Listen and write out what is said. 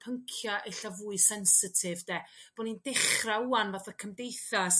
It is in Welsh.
pyncia' ella fwy sensitif 'de bo'n ni'n dechra' wan fatha' cymdeithas